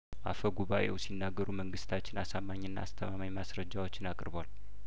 አፈ ጉባኤው ሲናገሩ መንግስታችን አሳማኝና አስተማማኝ ማስረጃዎችን አቅርቧል